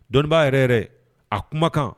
Dɔnnibaaa yɛrɛ yɛrɛ, a kumakan